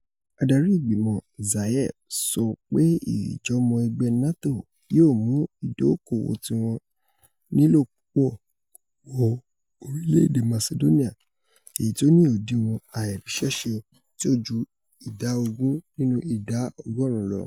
Adarí Ìgbìmọ̀ Zaev sọ pé ìjọ́mọ-ẹgbẹ́ NATO yóò mú ìdókòòwò tíwọ́n nílò púpọ̀ wọ orílẹ̀-èdè Masidóníà, èyití tí ó ní òdiwọn àìríṣẹ́ṣe tí o ju ìdá ogún nínú ìdá ọgọ́ọ̀rún lọ.